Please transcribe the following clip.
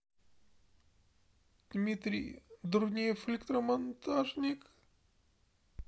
дмитрий дурнев электромонтажник